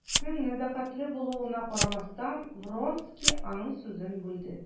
Үзенең нәзакәтле булуына карамастан, Вронский аның сүзен бүлде.